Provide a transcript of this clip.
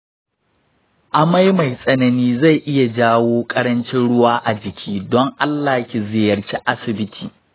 amai mai tsanani zai iya jawo ƙarancin ruwa a jiki; don allah ki ziyarci asibiti.